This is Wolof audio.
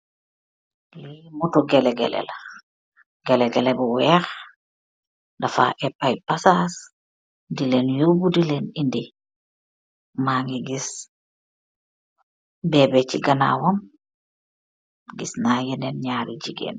Lii motor gehleh gehleh la, gehleh gehleh bu wekh, dafa ehbb aiiy bagass dilen yobu dilen eendi, maangy gis bebe chi ganawam, gisna yenen njaari gigain.